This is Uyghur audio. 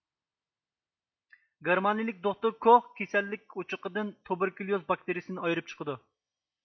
گېرمانىيىلىك دوختۇر كوخ كېسەللىك ئوچىقىدىن تۇبېركۇليۇز باكتىرىيىسىنى ئايرىپ چىقىدۇ